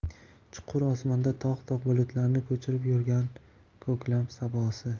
chuqur osmonda tog' tog' bulutlarni ko'chirib yurgan ko'klam sabosi